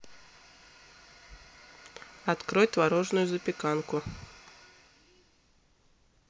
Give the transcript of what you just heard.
открой творожную запеканку